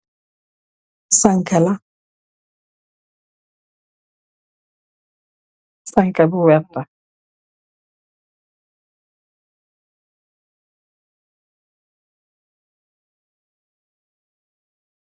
Sangkela sangke bu wertax.